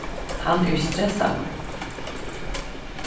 hann er stressaður